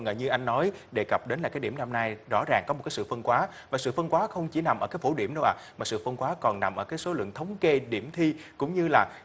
như anh nói đề cập đến là cái điểm năm nay rõ ràng có một cái sự phân hóa và sự phân hóa không chỉ nằm ở cấp phổ điểm đâu ạ mà sự phân hóa còn nằm ở cái số lượng thống kê điểm thi cũng như là